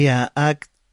Ia ag